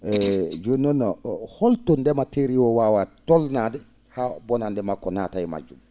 jooni noon holto ndemanteeri ndii waawata tolnaade haa bonannde maggu naata e mayri